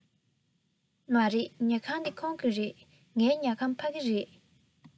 མ རེད ཉལ ཁང འདི ཁོང གི རེད ངའི ཉལ ཁང ཕ གི རེད